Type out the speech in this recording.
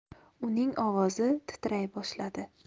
uning ovozi titray boshladi